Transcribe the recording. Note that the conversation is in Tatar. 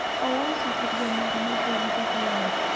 Авыл сатлыкҗаннарына шул җитә калган.